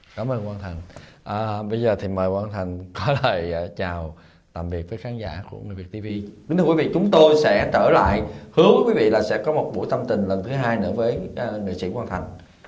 cám ơn quang thành à bây giờ thì mời quang thành có lời chào tạm biệt với khán giả của người việt ti vi kính thưa quý vị chúng tôi sẽ trở lại hứa với quý vị là sẽ có một buổi tâm tình lần thứ hai nữa với nghệ sĩ quang thành